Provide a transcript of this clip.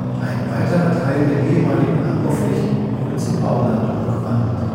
Ein weiterer Teil der ehemaligen Anbauflächen wurde zu Bauland umgewandelt